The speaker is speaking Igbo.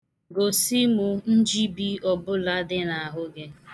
Gosi mụ njibi ọbụla dị n'ahụ gị.